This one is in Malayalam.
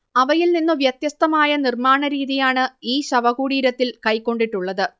അവയിൽനിന്നു വ്യത്യസ്തമായ നിർമ്മാണരീതിയാണ് ഈ ശവകുടീരത്തിൽ കൈക്കൊണ്ടിട്ടുള്ളത്